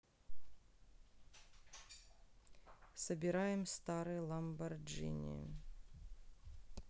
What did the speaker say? собираем старый lamborghini